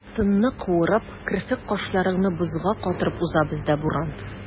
Тынны куырып, керфек-кашларыңны бозга катырып уза бездә буран.